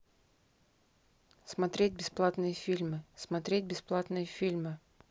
смотреть бесплатные фильмы смотреть бесплатные фильмы